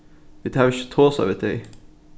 vit hava ikki tosað við tey